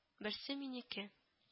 Берсе минеке